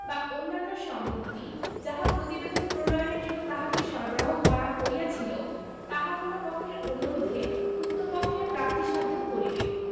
বা অন্যান্য সম্পত্তি যাহা প্রতিবেদন প্রণয়নের জন্য তাহাকে সরবরাহ করা হইয়াছিল তাহা কোন পক্ষের অনুরোধে উক্ত পক্ষের প্রাপ্তিসাধ্য করিবে